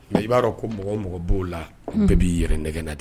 Nka i b'a dɔn ko mɔgɔ mɔgɔ b'o la bɛɛ b'i yɛrɛ nɛgɛ na de